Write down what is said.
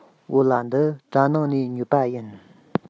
བོད ལྭ འདི གྲ ནང ནས ཉོས པ ཡིན